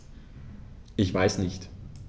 Ich weiß nicht.